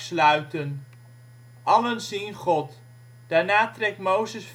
sluiten. Allen zien God. Daarna trekt Mozes